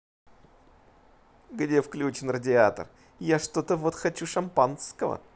где включен радиатор я что то вот хочу шампанского